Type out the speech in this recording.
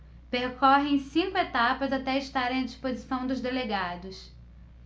percorrem cinco etapas até estarem à disposição dos delegados